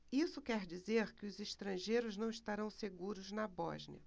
isso quer dizer que os estrangeiros não estarão seguros na bósnia